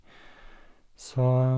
Så...